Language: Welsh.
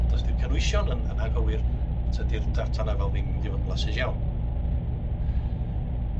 Ond os 'di'r cynwysion yn yn anghywir tydi'r tartan afal ddim mynd i fod yn flasus iawn.